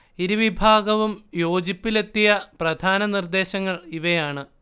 ഇരു വിഭാഗവും യോജിപ്പിലെത്തിയ പ്രധാന നിർദ്ദേശങ്ങൾ ഇവയാണ്